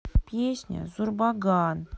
песня зурбаган